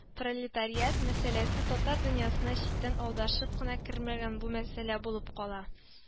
Пролетариат мәсьәләсе татар дөньясына читтән адашып кына кергән бу мәсьәлә булып кала